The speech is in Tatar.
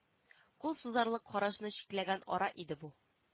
Кул сузарлык карашны чикләгән ара иде бу